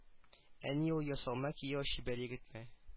Әни ул ясалма кияү чибәр егетме